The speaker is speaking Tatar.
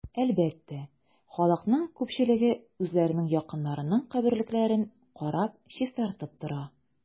Әлбәттә, халыкның күпчелеге үзләренең якыннарының каберлекләрен карап, чистартып тора.